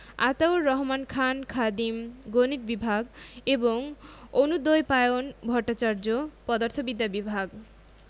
আতাউর রহমান খান খাদিম গণিত বিভাগ এবং অনুদ্বৈপায়ন ভট্টাচার্য পদার্থবিদ্যা বিভাগ